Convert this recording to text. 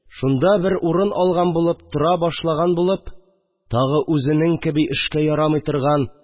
Шунда бер урын алган булып тора башлаган булып, тагы үзең кеби эшкә ярамый торган